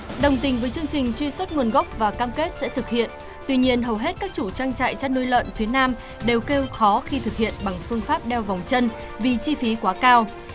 đồng tình với chương trình truy xuất nguồn gốc và cam kết sẽ thực hiện tuy nhiên hầu hết các chủ trang trại chăn nuôi lợn phía nam đều kêu khó khi thực hiện bằng phương pháp đeo vòng chân vì chi phí quá cao